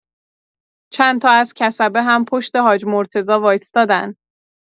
چند تا از کسبه هم پشت حاج مرتضی وایستادن.